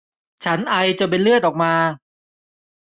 ฉันไอจนเป็นเลือดออกมา